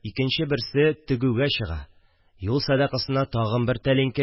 Икенче берсе тегүгә чыга – юл садакасына тагын бер тәлинкә